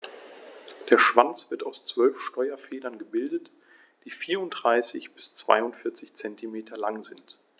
Der Schwanz wird aus 12 Steuerfedern gebildet, die 34 bis 42 cm lang sind.